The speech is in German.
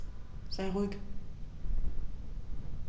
Sei ruhig.